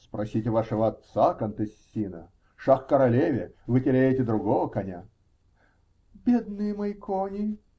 -- Спросите вашего отца, контессина. Шах королеве. Вы теряете другого коня. -- Бедные мои кони!.